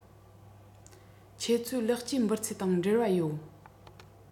ཁྱེད ཚོའི ལེགས སྐྱེས འབུལ ཚད དང འབྲེལ བ ཡོད